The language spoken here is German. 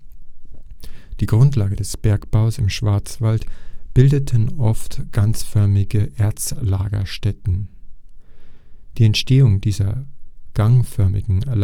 Die Grundlage des Bergbaus im Schwarzwald bildeten oft gangförmige Erzlagerstätten. Die Entstehung dieser gangförmigen Lagerstätten